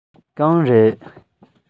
གང རེད